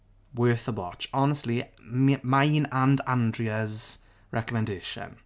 Worth a watch. Honestly me- mine and Andrea's recommendation.